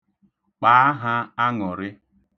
Kpaa ha aṅụrị.